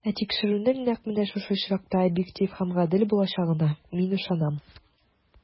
Ә тикшерүнең нәкъ менә шушы очракта объектив һәм гадел булачагына мин ышанам.